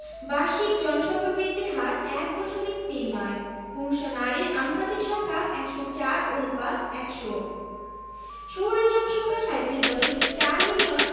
বাৎসরিক জনসংখ্যা বৃদ্ধির হার ১দশমিক তিন নয় পুরুষ ও নারীর আনুপাতিক সংখ্যা ১০৪ অনুপাত ১০০ শহুরে জনসংখ্যা ৩৭দশমিক ৪ মিলিয়ন